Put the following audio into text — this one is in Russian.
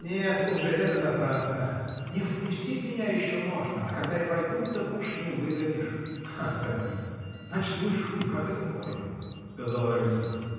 — Нет, уже это напрасно: не впустить меня еще можно, а когда я войду, так уж не выгонишь! — Осадить! Ночной шум — как это можно? — сказал Райский.